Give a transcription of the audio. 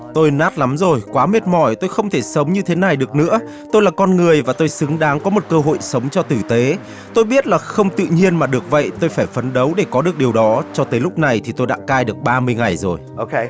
tôi nát lắm rồi quá mệt mỏi tôi không thể sống như thế này được nữa tôi là con người và tôi xứng đáng có một cơ hội sống cho tử tế tôi biết là không tự nhiên mà được vậy tôi phải phấn đấu để có được điều đó cho tới lúc này thì tôi đã cai được ba mươi ngày rồi